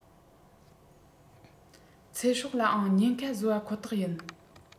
ཚེ སྲོག ལའང ཉེན ཁ བཟོ བ ཁོ ཐག ཡིན